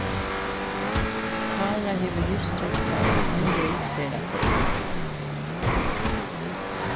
kára hevur júst keypt sær ein einvegis ferðaseðil